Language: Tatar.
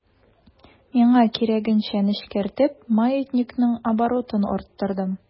Миңа кирәгенчә нечкәртеп, маятникның оборотын арттырдым.